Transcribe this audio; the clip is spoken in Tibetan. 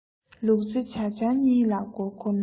ལུག རྫི ཇ ཆང གཉིས ལ མགོ འཁོར ན